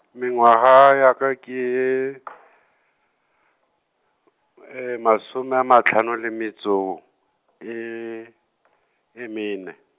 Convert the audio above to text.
mengwaga ya ka ke , masome a mahlano le metšo, e, e mene.